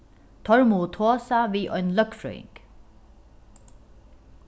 teir mugu tosa við ein løgfrøðing